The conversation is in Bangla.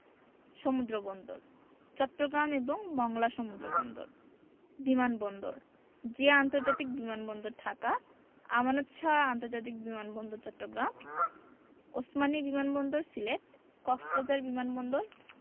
সমুদ্রবন্দরঃ চট্টগ্রাম এবং মংলা সমুদ্রবন্দর বিমান বন্দরঃ জিয়া আন্তর্জাতিক বিমান বন্দর ঢাকা আমানত শাহ্ আন্তর্জাতিক বিমান বন্দর চট্টগ্রাম ওসমানী বিমান বন্দর সিলেট কক্সবাজার বিমান বন্দর